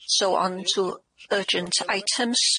So on to urgent items.